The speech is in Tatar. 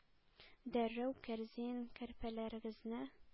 Дәррәү кәрзин, көрпәләрегезне